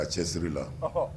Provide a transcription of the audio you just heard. A cɛ siri la, ɔhɔ!